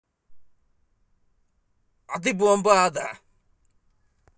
а ты бомба адо